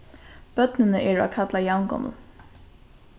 børnini eru at kalla javngomul